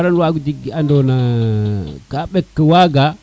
xara wagu jeg ke ando na ka ɓek waga